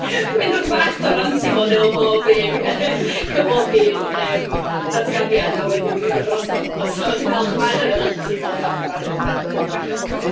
Dwi'n mynd drwy chydig bach o ranty mode efo bob un efo bob un yym datganiad, a wedyn dwi'n dod drosto fo. So dwi dal chydig bach yn y ranty mode am bod yr archfarchnadoedd yn gwerthu alcohol.